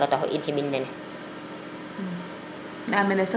kaga taxu um siɓin nene